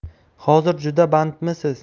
hozir juda bandmisiz